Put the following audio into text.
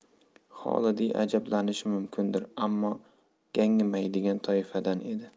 xolidiy ajablanishi mumkindir ammo gangimaydigan toifadan edi